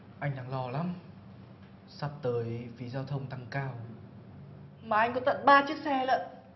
anh đang lo lắm sắp tới phí giao thông tăng cao mà anh có tận chiếc xe lận